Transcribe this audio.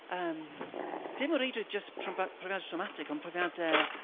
yym, dim o reidrwydd jyst profia- profiadau traumatic ond profiadau...